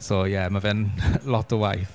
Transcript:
So ie, ma' fe'n lot o waith.